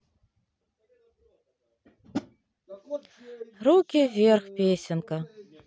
руки вверх песенка